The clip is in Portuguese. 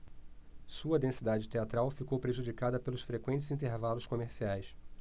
sua densidade teatral ficou prejudicada pelos frequentes intervalos comerciais